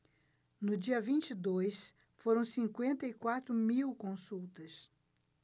no dia vinte e dois foram cinquenta e quatro mil consultas